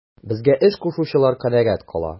Безгә эш кушучылар канәгать кала.